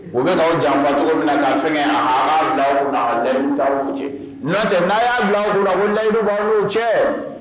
U bɛ janfa cogo min na ka fɛnhayi cɛ cɛ n'a y yaa bilaugu nayi'u cɛ